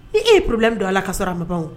I e ye problème don a la ka sɔrɔ a ma ban o